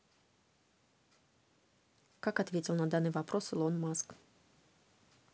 как ответил на данный вопрос илон маск